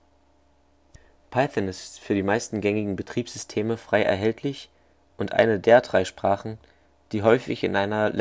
Python ist für die meisten gängigen Betriebssysteme frei erhältlich und eine der drei Sprachen, die häufig in einer